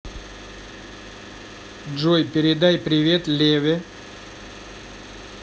джой передай привет леве